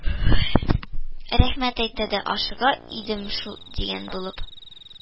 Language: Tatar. Рәхмәт әйтә дә, ашыга идем шул, дигән булып